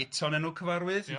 Guto'n enw cyfarwydd... Ia.